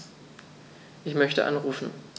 Ich möchte anrufen.